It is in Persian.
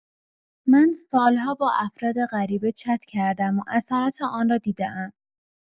من سال‌ها با افراد غریبه چت کرده‌ام و اثرات آن را دیده‌ام.